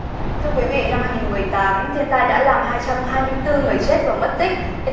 thưa quý vị năm hai nghìn mười tám thiên tai đã làm hai trăm hai mươi tư người chết và mất tích